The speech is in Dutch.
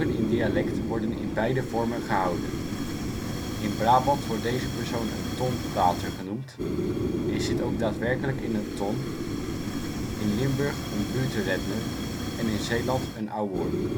in dialect worden in beide vormen gehouden. In Brabant wordt deze persoon een tonpraoter genoemd, en zit ook daadwerkelijk in een ton, in Limburg een buutteredner en in Zeeland een ouwoer